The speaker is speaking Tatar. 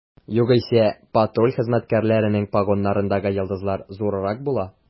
Югыйсә, патруль хезмәткәрләренең погоннарындагы йолдызлар зуррак була.